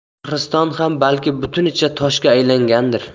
shahriston ham balki butunicha toshga aylangandir